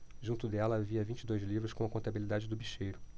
junto dela havia vinte e dois livros com a contabilidade do bicheiro